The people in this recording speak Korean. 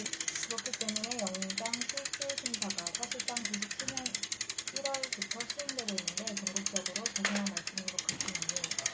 그렇기 때문에 영장실질심사가 사실상 구십 칠 년 일 월부터 시행이 되고 있는데 전국적으로 죄송한 말씀인 것 같지만요